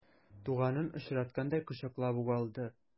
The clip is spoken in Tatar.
Туганын очраткандай кочаклап ук алды.